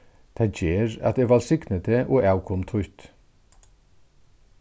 tað ger at eg vælsigni teg og avkom títt